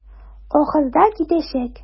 Ахырда китәчәк.